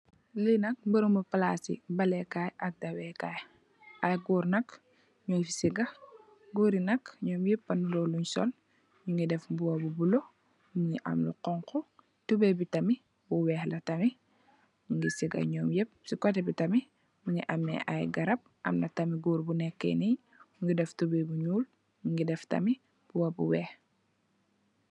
Lii nak bërëbu palaasi jongante Kaay bal la, ak dawé kaay, ay goor nak, ñu ngi sëggë. Goor yi nak, ñom ñéép a niroole luñ sol, ñu ngi def mbuba bu bulo, am lu xoñxu. Tubooy bi tamit, bu weex la tamit, ñu ngi sëggë ñom ñéép. Si kotte bi tamit, mu ngi amee ay garab, am na tam ñu goor, bu neeké nii, mu ngi def, tubooy bu ñuul, mu ngi def tamit mbuba bu weex.